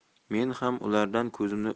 men ham ulardan